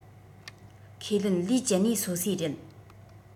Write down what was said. ཁས ལེན ལུས ཀྱི གནས སོ སོའི རེད